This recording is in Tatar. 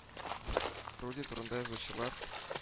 — руди турында язучылар